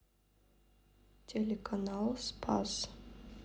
телеканал спас